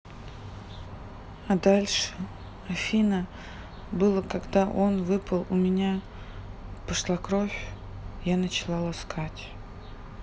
а дальше афина было когда он выпал у меня пошла кровь я начала ласкать